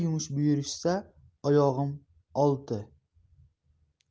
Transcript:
yumush buyurishsa oyog'im olti